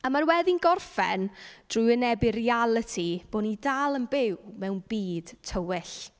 A ma'r weddi'n gorffen, drwy wynebu'r realiti, bo' ni dal yn byw mewn byd tywyll.